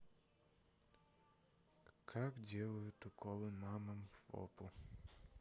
как делают уколы мамам в попу